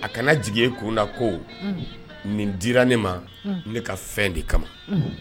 A kana jigi kunda ko nin di ne ma ne ka fɛn de kama